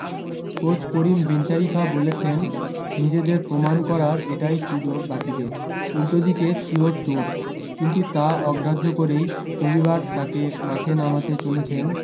coach Karim Bencherifa বলছেন নিজেদের প্রমাণ করার এটাই সু্যোগ বাকিদের উল্টোদিকে থিওর চোট কিন্তু তা অগ্রাহ্য করেই রবিবার তাঁকে মাঠে নামাতে চলেছেন